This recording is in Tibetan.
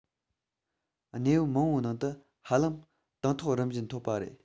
གནས བབ མང པོའི ནང དུ ཧ ལམ དང ཐོག རིམ བཞིན ཐོབ པ རེད